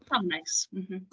O neis. M-hm.